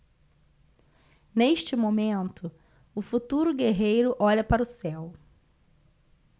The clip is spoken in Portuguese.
neste momento o futuro guerreiro olha para o céu